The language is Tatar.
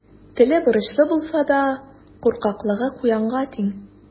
Теле борычлы булса да, куркаклыгы куянга тиң.